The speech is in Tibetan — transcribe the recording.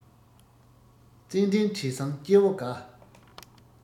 ཙན དན དྲི བཟང སྐྱེ བོ དགའ